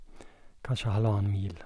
Kanskje halvannen mil.